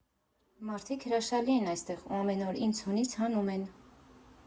Մարդիկ հրաշալի են այստեղ ու ամեն օր ինձ հունից հանում են.